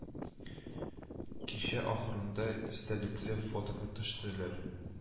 Кичә ахырында истәлекле фотога төштеләр